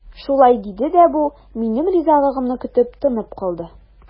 Шулай диде дә бу, минем ризалыгымны көтеп, тынып калды.